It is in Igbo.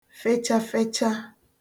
fechafecha